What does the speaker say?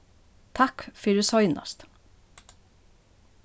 takk fyri seinast